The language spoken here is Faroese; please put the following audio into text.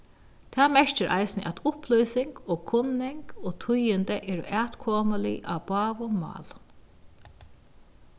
tað merkir eisini at upplýsing og kunning og tíðindi eru atkomulig á báðum málum